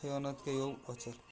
xiyonatga yo'l ochar